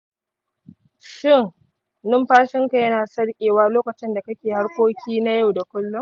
shin numfashinka yana sarƙewa lokacin da kake harkoki na yau da kullum?